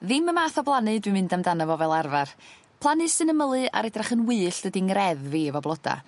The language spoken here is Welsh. Ddim y math o blannu dwi'n mynd amdano fo fel arfar plannu sy'n ymylu ar edrach yn wyllt ydi ngreddf i efo bloda